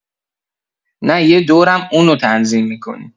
نه یه دور هم اونو تنظیم می‌کنی